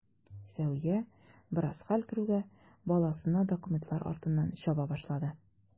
Сәвия, бераз хәл керүгә, баласына документлар артыннан чаба башлады.